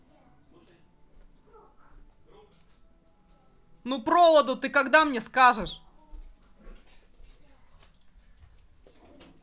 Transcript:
ну проводу ты когда мне скажешь